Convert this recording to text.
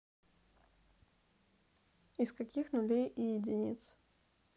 из каких нулей и единиц